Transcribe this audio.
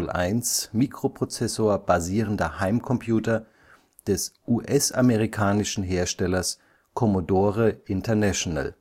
8501-Mikroprozessor basierender Heimcomputer des US-amerikanischen Herstellers Commodore International